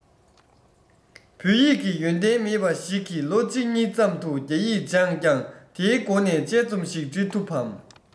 བོད ཡིག གི ཡོན ཏན མེད པ ཞིག གིས ལོ གཅིག གཉིས ཙམ དུ རྒྱ ཡིག སྦྱངས ཀྱང དེའི སྒོ ནས དཔྱད རྩོམ ཞིག འབྲི ཐུབ བམ